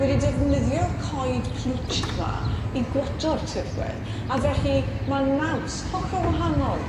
wedi defnyddio'r coed pleached 'ma i gwoto'r tirwedd a felly ma' naws hollol wahanol